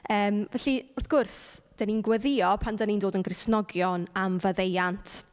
Yym felly, wrth gwrs, dan ni'n gweddïo pan dan ni'n dod yn Gristnogion am faddeuant.